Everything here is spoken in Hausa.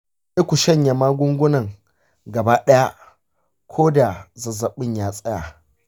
dole ne ku shanye magungunan gaba ɗaya ko da zazzabi ya tsaya.